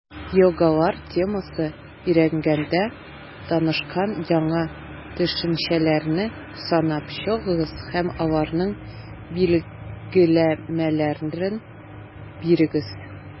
«елгалар» темасын өйрәнгәндә танышкан яңа төшенчәләрне санап чыгыгыз һәм аларның билгеләмәләрен бирегез.